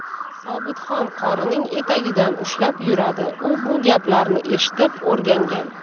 sobitxon qorining etagidan ushlab yuradi u bu gaplarni eshitib o'rgangan